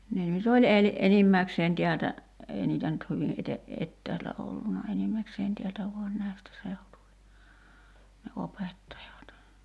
ne nyt oli - enimmäkseen täältä ei niitä nyt hyvin - etäältä ollut enimmäkseen täältä vain näistä seutuvin ne opettajat